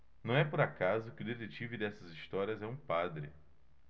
não é por acaso que o detetive dessas histórias é um padre